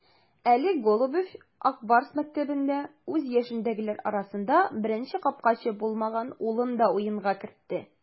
Әле Голубев "Ак Барс" мәктәбендә үз яшендәгеләр арасында беренче капкачы булмаган улын да уенга кертте.